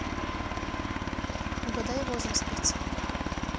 угадай возраст певца